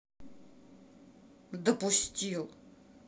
допустил